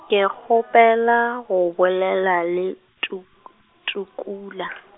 ke kgopela go bolela le tu-, Tukela.